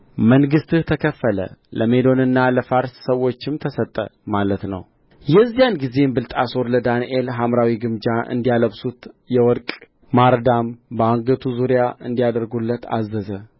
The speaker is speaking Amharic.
መንግሥትህ ተከፈለ ለሜዶንና ለፋርስ ሰዎችም ተሰጠ ማለት ነው የዚያን ጊዜም ብልጣሶር ለዳንኤል ሐምራዊ ግምጃ እንዲያለብሱት የወርቅ ማርዳም በአንገቱ ዙሪያ እንዲያደርጉለት አዘዘ